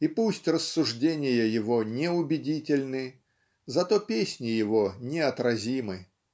И пусть рассуждения его неубедительны, зато песни его неотразимы.